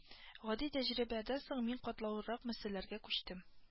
Гади тәҗрибәдән соң мин катлаулырак мәсьәләләргә күчтем